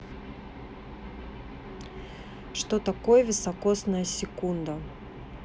что такое високосная секунда